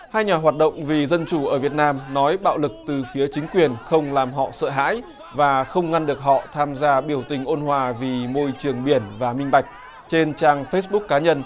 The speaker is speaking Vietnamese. hai nhà hoạt động vì dân chủ ở việt nam nói bạo lực từ phía chính quyền không làm họ sợ hãi và không ngăn được họ tham gia biểu tình ôn hòa vì môi trường biển và minh bạch trên trang phây búc cá nhân